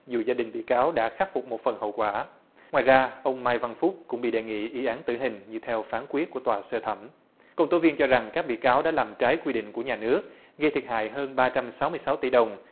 dù gia đình bị cáo đã khắc phục một phần hậu quả ngoài ra ông mai văn phúc cũng bị đề nghị y án tử hình như theo phán quyết của tòa sơ thẩm công tố viên cho rằng các bị cáo đã làm trái quy định của nhà nước gây thiệt hại hơn ba trăm sáu mươi sáu tỷ đồng